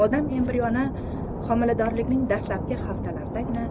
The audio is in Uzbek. odam embrioni homiladorlikning dastlabki haftalaridagina